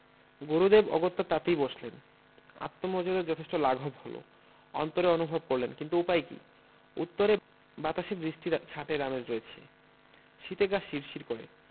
গুরুদেব অগত্যা তাতেই বসলেন আত্মমর্যাদার যথেষ্ট লাঘব হলো অন্তরে অনুভব করলেন কিন্তু উপায় কি উত্তরে বাতাসে বৃষ্টির ছাঁটের আমেজ রয়েছে শীতে গা শিরশির করে